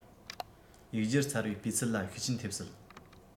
ཡིག སྒྱུར ཚར བའི སྤུས ཚད ལ ཤུགས རྐྱེན ཐེབས སྲིད